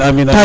amin amiin